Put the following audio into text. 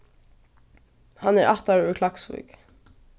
hann er ættaður úr klaksvík